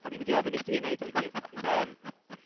O'n i'n mynd i ofyn i chdi wneud deud gwir ond, yym,